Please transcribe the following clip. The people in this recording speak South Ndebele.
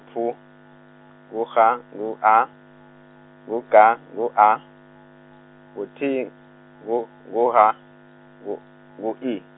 P, ngu H, ngu A, ngu K, ngu A, ngu T, ngu ngu H, ngu ngu I.